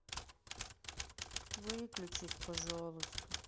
выключись пожалуйста